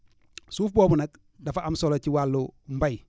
suuf boobu nag dafa am solo ci wàllu mbay